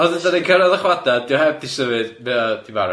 A wedyn dan ni'n cyrraedd y chwadad dio heb di symud, mae o di marw.